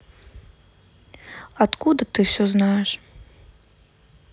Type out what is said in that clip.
откуда ты все знаешь